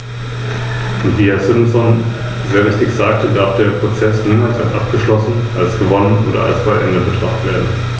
Wir hoffen, dass diejenigen, die eine Ablehnung dieser Änderungsanträge in Betracht ziehen, sowohl dem Parlament als auch ihren Arbeit suchenden Bürgern triftige Gründe für ihre Entscheidung nennen können.